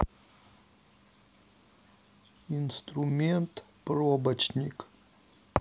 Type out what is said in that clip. инструмент пробочник